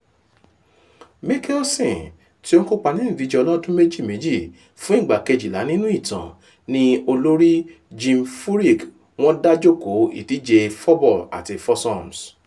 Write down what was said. Mickelson, tí ó ń kópa nínú ìdíje ọlọ́dún méjì méjì fún ìgbà 12 nínú ìtàn, ní olórí Jim Furyk wọ́n dá jókòó ìdíje fourballs àti foursomes.